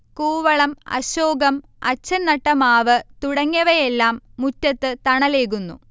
കൂവളം, അശോകം, അച്ഛൻ നട്ട മാവ് തുടങ്ങിയവയെല്ലാം മുറ്റത്ത് തണലേകുന്നു